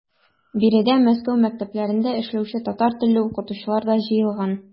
Биредә Мәскәү мәктәпләрендә эшләүче татар телле укытучылар да җыелган.